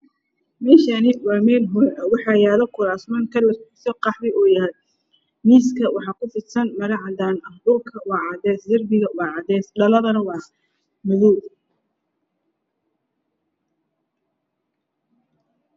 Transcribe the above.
Meeshaan waa meel hool ah waxaa yaalo kuraasman qaxwi ah, miisaska waxaa kufidsan maro cadaan ah. Dhulkana waa cadeys darbigana waa cadeys, dhaladana waa madow.